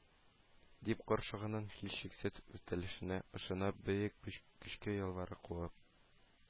Дип каргышының һичшиксез үтәлешенә ышанып бөек көчкә ялвара куып